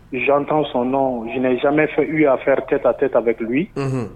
J'entends son nom je n'ai jamais fait eu à faire tête à tête avec lui unhun